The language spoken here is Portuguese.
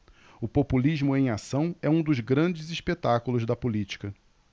o populismo em ação é um dos grandes espetáculos da política